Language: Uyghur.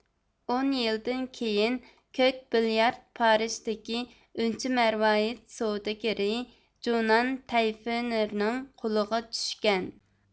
ئون يىلدىن كېيىن كۆك بىليارت پارىژدىكى ئۈنچە مەرۋايىت سودىگىرى جۇنان تەيفىنېرنىڭ قولىغا چۈشكەن